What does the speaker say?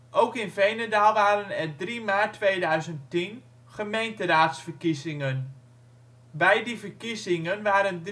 Ook in Veenendaal waren er 3 maart 2010 gemeenteraadsverkiezingen. Bij die verkiezingen waren